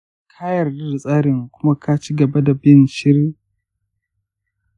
ka yarda da tsarin kuma ka ci gaba da bin shirin.